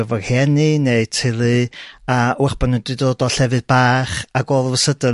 efo rheni neu teulu a wyrach bo' n'w 'di dod o llefydd bach ag all of a sudden